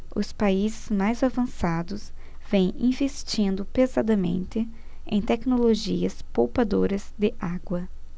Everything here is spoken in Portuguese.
os países mais avançados vêm investindo pesadamente em tecnologias poupadoras de água